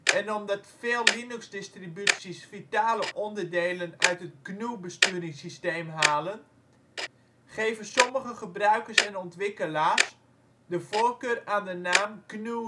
en omdat veel Linuxdistributies vitale onderdelen uit het GNU-besturingssysteem halen, geven sommige gebruikers en ontwikkelaars de voorkeur aan de naam GNU/Linux